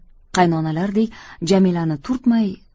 qaynonalardek jamilani turtmay